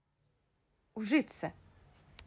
ужиться